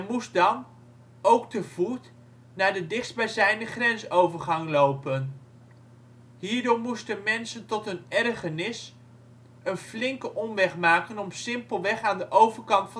moest dan, ook te voet, naar de dichtstbijzijnde grensovergang lopen. Hierdoor moesten mensen tot hun ergernis een flinke omweg maken om simpelweg aan de overkant